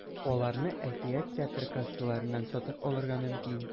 Аларны “Әкият” театры кассаларыннан сатып алырга мөмкин.